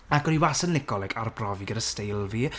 Ac o'n i wastad yn lico, like, arbrofi gyda steil fi.